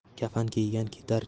kafan kiygan ketar